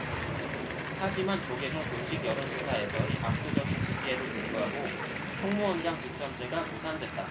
하지만 조계종 공식 여론조사에서의 압도적인 지지에도 불구하고 총무원장 직선제가 무산됐다